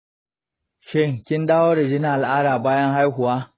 shin kin dawo da jinin al’ada bayan haihuwa?